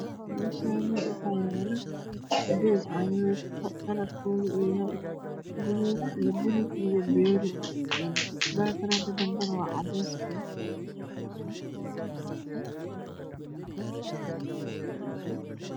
Me Shani waxa yalo si ded cagadod kalar kodu uyahay gudud iya bulug iya meeri bagaran ka Dan Bana wa cades